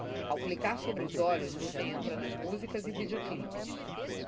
ao clicar sobre os olhos você entra nas músicas e videoclipes